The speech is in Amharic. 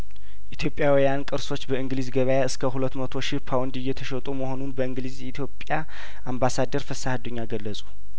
ኢትዮጵያውያን ቅርሶች በእንግሊዝ ገበያ እስከ ሁለት መቶ ሺህ ፓውንድ እየተሸጡ መሆኑን በእንግሊዝ ኢትዮጵያ አምባሳደር ፍሰሀ አዱኛ ገለጹ